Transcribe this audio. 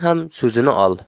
ham so'zini ol